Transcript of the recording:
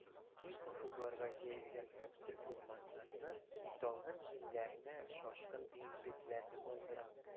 Киң офыкларга җәелгән күксел урманнарны, талгын җилләрне, шашкын диңгезләрне калдырам.